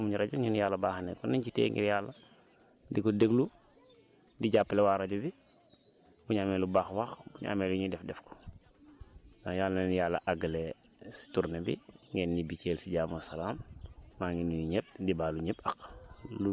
yàlla baaxee nañu rajo bëri na communes yu nekk si àll bi amuñu rajo ñun yàlla baaxee nañu ko nañ ci téye ngir yàlla di ko déglu di jàppale waa rajo bi bu ñu amee lu baax wax bu ñu amee yu ñuy def def ko waaye yal na leen yàlla àggale si tournée bi ngeen ñibbi Thiel si jàmm ak salaam